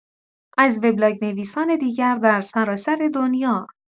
از وبلاگ‌نویسان دیگر در سراسر دنیا